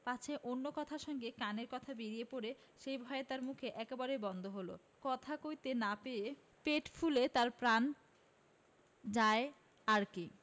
পাছে অন্য কথার সঙ্গে কানের কথা বেরিয়ে পড়ে সেই ভয়ে তার মুখ একেবারে বন্ধ হল কথা কইতে না পেয়ে পেট ফুলে তার প্রাণ যায় আর কি